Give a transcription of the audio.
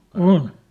on